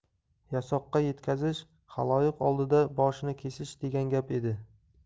yasoqqa yetkazish xaloyiq oldida boshini kesish degan gap edi